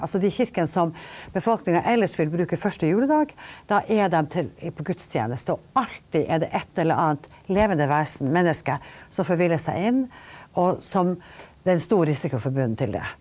altså de kirkene som befolkningen ellers ville bruke første juledag, da er dem på gudstjeneste, og alltid er det et eller annet levende vesen, menneske, som forviller seg inn og som det er en stor risiko forbundet til det.